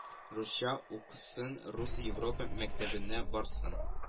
Русча укысын, рус, Европа мәктәбенә барсын